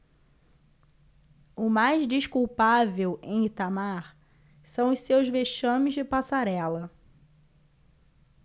o mais desculpável em itamar são os seus vexames de passarela